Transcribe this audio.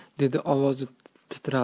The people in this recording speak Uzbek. dedi ovozi titrab